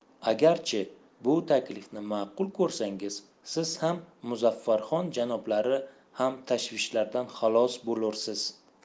agarchi bu taklifni ma'qul ko'rsangiz siz ham muzaffarxon janoblari ham tashvishlardan xalos bo'lursiz